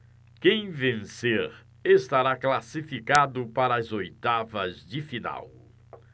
quem vencer estará classificado para as oitavas de final